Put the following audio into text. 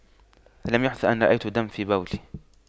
لم يحدث أن رأيت دم في بولي